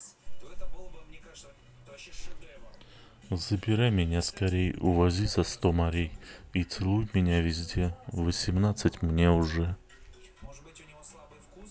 забирай меня скорей увози за сто морей и целуй меня везде восемнадцать мне уже